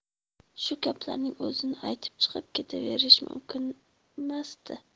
shu gaplarning o'zini aytib chiqib ketaverish mumkinmasdi